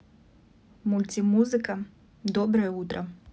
мультимузыка доброе утро